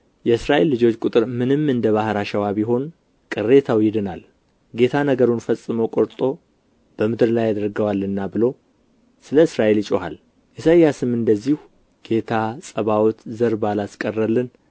የእስራኤል ልጆች ቁጥር ምንም እንደ ባሕር አሸዋ ቢሆን ቅሬታው ይድናል ጌታ ነገሩን ፈጽሞና ቆርጦ በምድር ላይ ያደርገዋልና ብሎ ስለ እስራኤል ይጮኻል ኢሳይያስም እንደዚሁ ጌታ ፀባዖት ዘር ባላስቀረልን